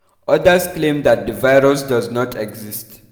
Others claim that the virus does not exist.